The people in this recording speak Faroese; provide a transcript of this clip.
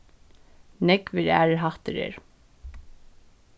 nógvir aðrir hættir eru